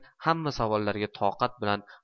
hamma savollariga toqat bilan